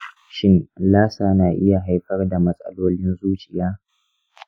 shin lassa na iya haifar da matsalolin zuciya?